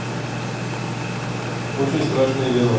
очень страшные дела